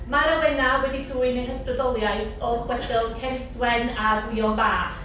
Mae'r awenau wedi dwyn eu hysbrydoliaeth o chwedl Ceridwen a Gwion Bach.